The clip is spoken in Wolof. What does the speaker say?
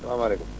salaamaaleykum